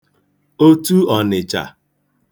Otu Ọ̀nị̀chà